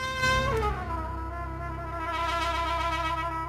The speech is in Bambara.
Maa y'i tileinɛ